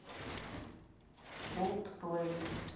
колт плей